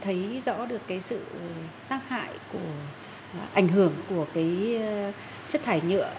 thấy rõ được cái sự tác hại của ảnh hưởng của cái chất thải nhựa